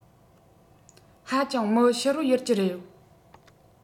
ཧ ཅང མི ཕྱི རོལ ཡུལ གྱི ཡོད